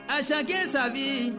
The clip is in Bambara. A si kɛ san